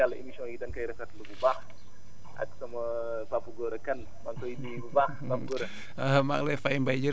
loolu lu mot a xam la wax dëgg yàlla émissions yi dañ koy rafetlu bu baax ak sama Papa Gora Kane maa ngi koy nuyu bu baax Mame Gora